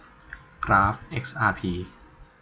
กราฟเอ็กอาร์พี